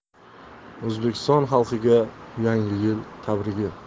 o'zbekiston xalqiga yangi yil tabrigi